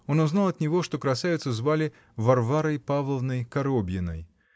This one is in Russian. Он узнал от него, что красавицу звали Варварой Павловной Коробьиной